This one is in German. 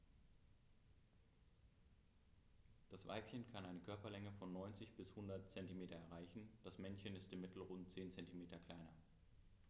Das Weibchen kann eine Körperlänge von 90-100 cm erreichen; das Männchen ist im Mittel rund 10 cm kleiner.